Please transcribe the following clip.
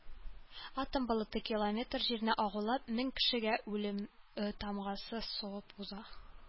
Атом болыты километр җирне агулап мең кешегә үлем тамгасы сугып уза.